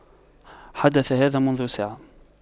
حدث هذا منذ ساعة